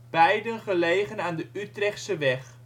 beiden gelegen aan de Utrechtse Weg